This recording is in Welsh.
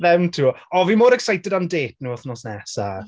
Them two. O fi mor excited am dêt nhw wythnos nesa.